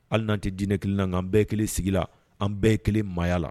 Hali n'an tɛ diinɛ kelen la' an bɛɛ kelen sigi la an bɛɛ kelen maaya la